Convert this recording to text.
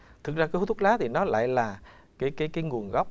thực ra có hút thuốc lá thì nó lại là cái cái cái nguồn gốc